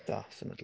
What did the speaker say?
Definitely.